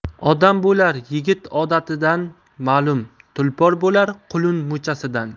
odam bo'lar yigit odatidan ma'lum tulpor bo'lar qulun muchasidan